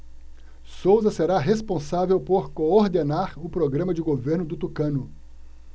souza será responsável por coordenar o programa de governo do tucano